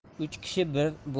uch kishi bir